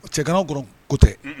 Cɛganaw dɔrɔnw ko tɛ.